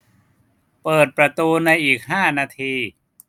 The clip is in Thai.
เปิดประตูในอีกห้านาที